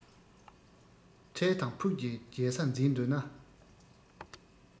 འཕྲལ དང ཕུགས ཀྱི རྒྱལ ས འཛིན འདོད ན